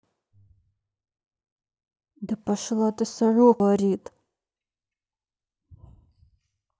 да пошла ты сороку о тебе говорит